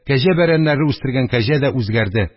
Кәҗә бәрәннәре үстергән кәҗә дә үзгәрде: